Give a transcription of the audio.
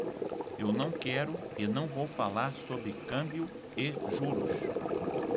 eu não quero e não vou falar sobre câmbio e juros